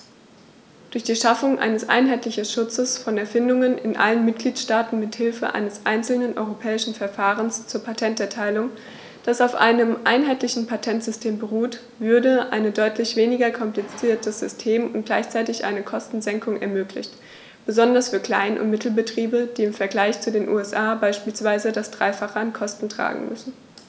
Durch die Schaffung eines einheitlichen Schutzes von Erfindungen in allen Mitgliedstaaten mit Hilfe eines einzelnen europäischen Verfahrens zur Patenterteilung, das auf einem einheitlichen Patentsystem beruht, würde ein deutlich weniger kompliziertes System und gleichzeitig eine Kostensenkung ermöglicht, besonders für Klein- und Mittelbetriebe, die im Vergleich zu den USA beispielsweise das dreifache an Kosten tragen müssen.